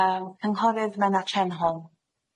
Yym cynghorydd Mena Trenholm.